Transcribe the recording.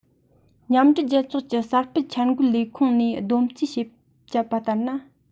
མཉམ འབྲེལ རྒྱལ ཚོགས ཀྱི གསར སྤེལ འཆར འགོད ལས ཁུངས ནས བསྡོམས བརྩིས བརྒྱབ པ ལྟར ན